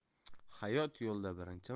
hayot yo'lida birinchi